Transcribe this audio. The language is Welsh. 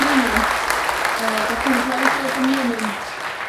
Menyn, yy, 'dach chi'n rhoi Blodyn Menyn